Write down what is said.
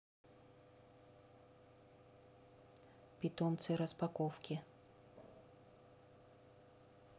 питомцы распаковки